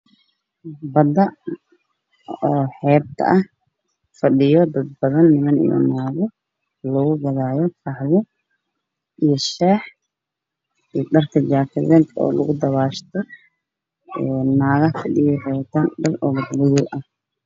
Badda oo xeebta ah fadhiyo dad badan